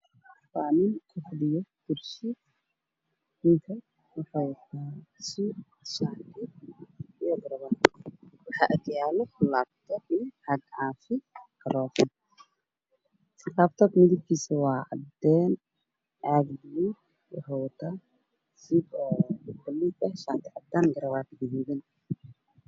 Waa nin ku fadhiyo kursi ninka waxa uu haystaa ninka waxuu wataa suud cadaan eh waxaa ag yaalo laptop cadaan eh laptobka midabkisa waa cadaan waxuu wataa suud baluug eh shaati cadan eh garmaad gaduudan